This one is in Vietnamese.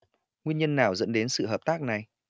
nguyên nhân nào dẫn đến sự hợp tác này